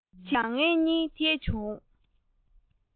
བྱིས པ ཚོས ཀྱང ང གཉིས དེད བྱུང